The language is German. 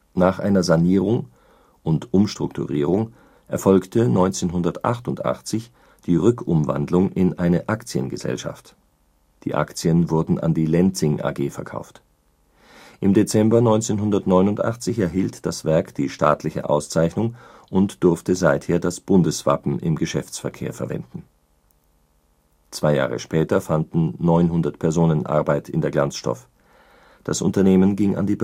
Nach einer Sanierung und Umstrukturierung erfolgte 1988 die Rückumwandlung in eine Aktiengesellschaft, die Aktien wurden an die Lenzing AG verkauft. Im Dezember 1989 erhielt das Werk die Staatliche Auszeichnung und durfte seither das Bundeswappen im Geschäftsverkehr verwenden. Zwei Jahre später fanden 900 Personen Arbeit in der Glanzstoff, das Unternehmen ging an die